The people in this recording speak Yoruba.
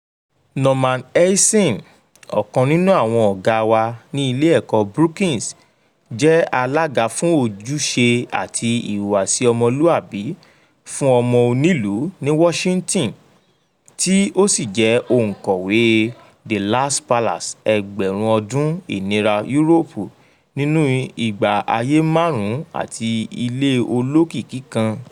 Norman Eisen, ọ̀kan nínú àwọn ọ̀gá wa ní ilé ẹ̀kọ́ Brookings, jẹ́ alága fún Ojúṣe àti ìhùwàsí ọmọlúàbí fún Ọmọ onílùú ní Washington tí ó sì jẹ́ òǹkọ̀wé “The Last Palace: Ẹgbẹrun ọdun Inira Uropu nínú Igba aye Marun ati Ile Olokiki Kan.”